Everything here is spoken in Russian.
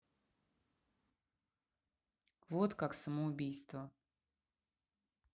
вот как самоубийство